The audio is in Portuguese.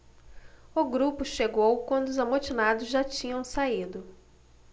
o grupo chegou quando os amotinados já tinham saído